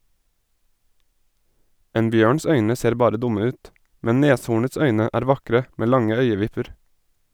En bjørns øyne ser bare dumme ut, men neshornets øyne er vakre, med lange øyevipper.